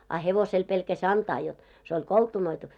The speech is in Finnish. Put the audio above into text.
a hevoselle pelkäsi antaa jotta se oli koltunoitu